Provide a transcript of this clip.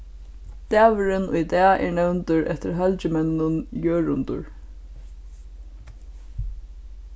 dagurin í dag er nevndur eftir halgimenninum jørundur